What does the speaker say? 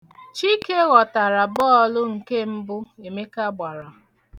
Chike ghọtara bọọlụ nke mbụ Emeka gbara.